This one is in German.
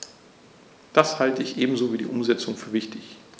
Das halte ich ebenso wie die Umsetzung für wichtig.